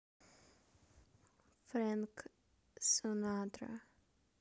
frank sinatra